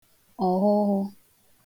ọ̀hụhù